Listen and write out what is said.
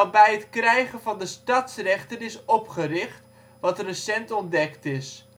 bij het krijgen van de stadsrechten is opgericht (wat recent ontdekt is